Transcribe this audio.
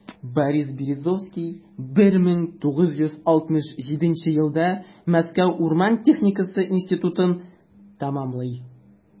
Борис Березовский 1967 елда Мәскәү урман техникасы институтын тәмамлый.